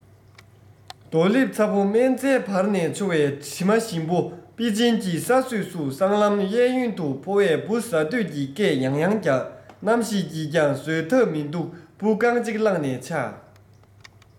རྡོ ལེབ ཚ བོ སྨན རྩྭའི བར ནས འཕྱོ བའི དྲི མ ཞིམ པོ པེ ཅིན གྱི ས སྲོས སུ སྲང ལམ གཡས གཡོན དུ ཕོ བས འབུ ཟ འདོད ཀྱི སྐད ཡང ཡང རྒྱག རྣམ ཤེས ཀྱིས ཀྱང བཟོད ཐབས མི འདུག འབུ རྐང གཅིག བླངས ནས འཆའ